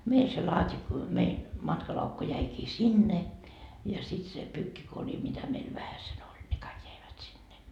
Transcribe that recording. meidän se - meidän matkalaukku jäikin sinne ja sitten se pyykkikori mitä meillä vähäsen oli ne kaikki jäivät sinne